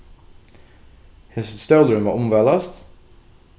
hesin stólurin má umvælast